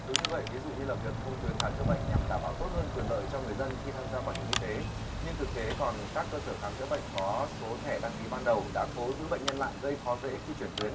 đúng như vậy ví dụ như là việc thông tuyến khám chữa bệnh nhằm đảm bảo tốt hơn quyền lợi cho người dân khi tham gia bảo hiểm y tế nhưng thực tế còn các cơ sở khám chữa bệnh có số thẻ đăng ký ban đầu đã cố giữ bệnh nhân lại gây khó dễ khi chuyển tuyến